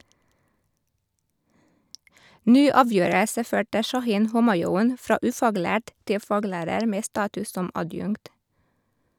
Ny avgjørelse førte Shahin Homayoun fra ufaglært til faglærer med status som adjunkt.